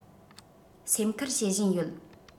སེམས ཁུར བྱེད བཞིན ཡོད